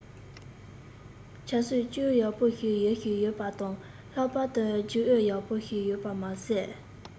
ཆབ སྲིད ཅུད ཡག པོ ཞིག ཡོད ཞིག ཡོད པ དང ལྷག པར དུ རྒྱུན ཨུད ཡག པོ ཞིག ཡོད པ མ ཟད